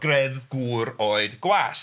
Greddf gwr, oed gwas.